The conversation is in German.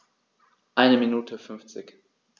Eine Minute 50